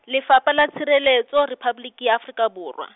Lefapha la Tshireletso, Rephaboliki ya Afrika Borwa.